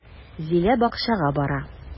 Зилә бакчага бара.